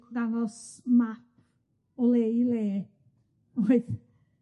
###ddangos map o le i le oedd